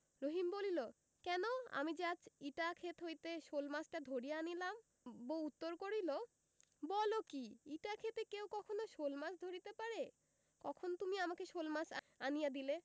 রহিম বলিল কেন আমি যে আজ ইটা ক্ষেত হইতে শোলমাছটা ধরিয়া আনিলাম বউ উত্তর করিল বল কি ইটা ক্ষেতে কেহ কখনো শোলমাছ ধরিতে পারে কখন তুমি আমাকে শোলমাছ আনিয়া দিলে